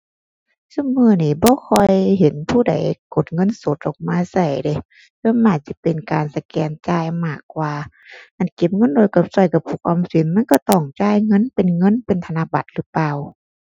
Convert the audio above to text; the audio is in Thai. ซุมื้อนี้บ่ค่อยเห็นผู้ใดกดเงินสดออกมาใช้เดะ ส่วนมากสิเป็นการสแกนจ่ายมากกว่า อั่น เก็บเงินโดยกะ ใช้กระปุกออมสิน มันก็ต้องจ่ายเงิน เป็นเงิน เป็นธนบัตรหรือเปล่า